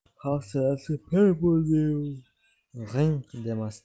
hafsalasi pir bo'lardiyu g'ing demasdan